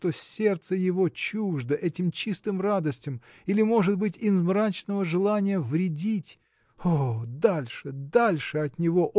что сердце его чуждо этим чистым радостям или может быть из мрачного желания вредить. о, дальше, дальше от него!.